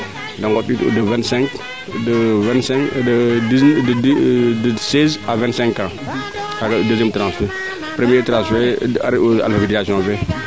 de ngotit o de 25 de 16 a 25 ans kaaga reend u deuxieme tranche fee premier tranche fee a reen u alphabetisation